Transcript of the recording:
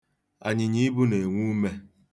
Anyịnyaibu na-enwe ume.